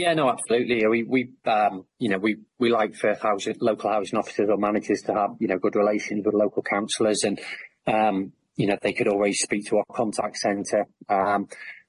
Um yeah no absolutely yeah we we um you know we we like for a thousand local housing officers or managers to have you know good relations with local counsellors and um you know they could always speak to our contact centre,